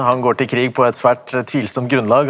han går til krig på et svært tvilsomt grunnlag.